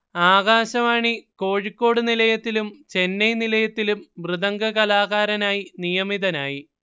ആകാശവാണി കോഴിക്കോട് നിലയത്തിലും ചെന്നൈ നിലയത്തിലും മൃദംഗ കലാകാരനായി നിയമിതനായി